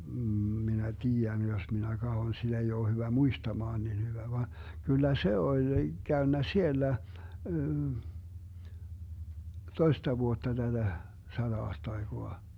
- minä tiedän jos minä katson sitä ei ole hyvä muistamaan niin hyvä vaan kyllä se oli käynyt siellä toista vuotta tätä sata-aastaikaa